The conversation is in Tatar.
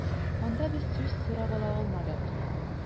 Анда без сүз сорап ала алмадык.